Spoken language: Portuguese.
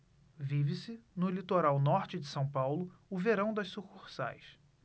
vive-se no litoral norte de são paulo o verão das sucursais